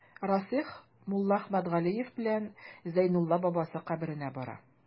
Расих Муллаәхмәт Галиев белән Зәйнулла бабасы каберенә бара.